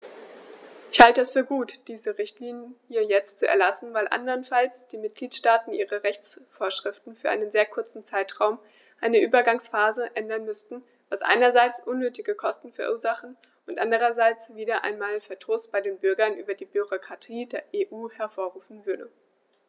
Ich halte es für gut, diese Richtlinie jetzt zu erlassen, weil anderenfalls die Mitgliedstaaten ihre Rechtsvorschriften für einen sehr kurzen Zeitraum, eine Übergangsphase, ändern müssten, was einerseits unnötige Kosten verursachen und andererseits wieder einmal Verdruss bei den Bürgern über die Bürokratie der EU hervorrufen würde.